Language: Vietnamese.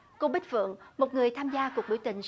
cô bích phượng một người tham gia cuộc biểu tình